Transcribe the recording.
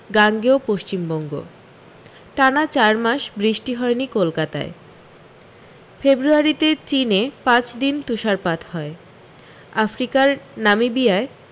গাঙ্গেয় পশ্চিমবঙ্গ টানা চার মাস বৃষ্টি হয়নি কলকাতায় ফেব্রুয়ারিতে চীনে পাঁচ দিন তুষারপাত হয় আফ্রিকার নামিবিয়ায়